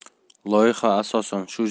loyiha asosan shu